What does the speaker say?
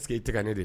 Pa que i tɛ ne de